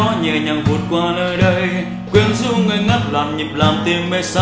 nhẹ nhàng vụt qua nơi đây quyến rũ ngây ngất loạn nhịp làm tim mê say